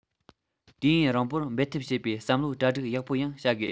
དུས ཡུན རིང པོར འབད འཐབ བྱེད པའི བསམ བློའི གྲ སྒྲིག ཡག པོ ཡང བྱ དགོས